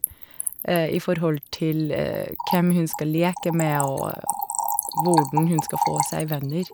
I forhold til hvem hun skal leke med, og hvordan hun skal få seg venner.